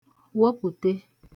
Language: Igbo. wopùte